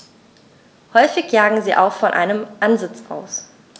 Häufig jagen sie auch von einem Ansitz aus.